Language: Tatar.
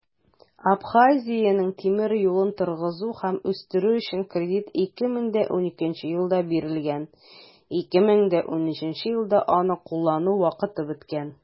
Абхазиянең тимер юлын торгызу һәм үстерү өчен кредит 2012 елда бирелгән, 2013 елда аны куллану вакыты беткән.